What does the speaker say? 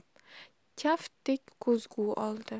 kaftdek ko'zgu oldi